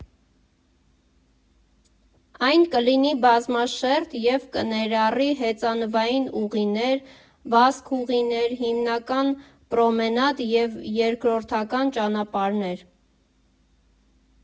Այն կլինի բազմաշերտ և կներառի հեծանվային ուղիներ, վազքուղիներ, հիմնական պրոմենադ և երկրորդական ճանապարհներ։